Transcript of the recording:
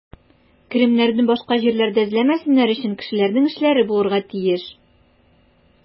Керемнәрне башка җирләрдә эзләмәсеннәр өчен, кешеләрнең эшләре булырга тиеш.